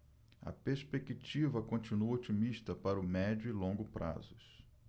a perspectiva continua otimista para o médio e longo prazos